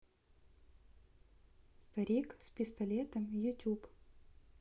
старик с пистолетом ютуб